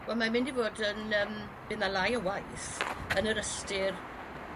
Wel mae'n mynd i fod yn yrm... Bydd 'na lai o waith yn yr ystyr